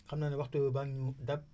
xam naa ne waxtu baa ngi ñu dab